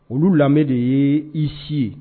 Olu lamɛnbe de ye i si ye